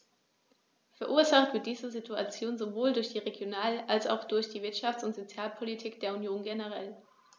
Verursacht wird diese Situation sowohl durch die Regional- als auch durch die Wirtschafts- und Sozialpolitik der Union generell.